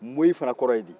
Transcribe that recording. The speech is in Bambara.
moyi fana kɔrɔ ye di